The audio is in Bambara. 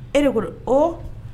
E de ko o